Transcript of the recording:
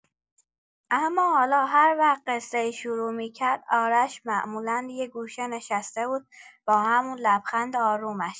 اما حالا هر وقت قصه‌ای شروع می‌کرد، آرش معمولا یه گوشه نشسته بود، با همون لبخند آرومش.